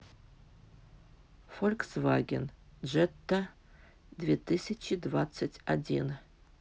фольксваген джетта две тысячи двадцать один